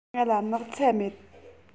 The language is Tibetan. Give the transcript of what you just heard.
ང ལ སྣག ཚ མེད